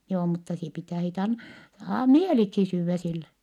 joo mutta sinä pitää sitten -- mieliksi syödä sille